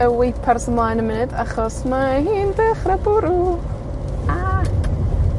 y weipars ymlaen yn munud, achos mae hi'n dechra bwrwl A!